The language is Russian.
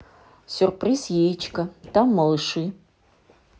сюрприз яичко там малыши